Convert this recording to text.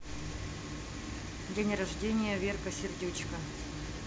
день рождения верка сердючка